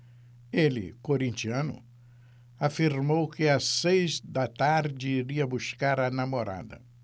ele corintiano afirmou que às seis da tarde iria buscar a namorada